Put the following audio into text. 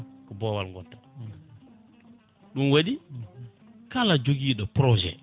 ko boowal gonta ɗum waɗi kala joguiɗo projet